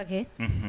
unhun.